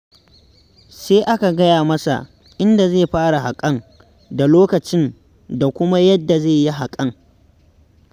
Sai aka gaya masa inda zai fara haƙan da lokacin da kuma yadda zai yi haƙan.